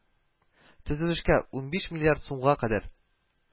Төзелешкә унбиш миллиард сумга кадәр